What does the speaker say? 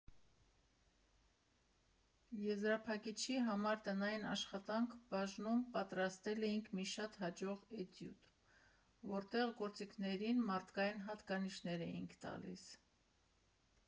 «Եզրափակչի համար «Տնային աշխատանք» բաժնում պատրաստել էինք մի շատ հաջող էտյուդ, որտեղ գործիքներին մարդկային հատկանիշներ էինք տալիս։